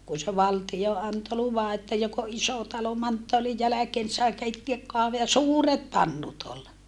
kun se valtio antoi luvan että joka on iso talo manttaalin jälkeen niin sai keittää ja suuret pannut oli